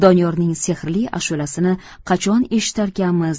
doniyorning sehrli ashulasini qachon eshitarkinmiz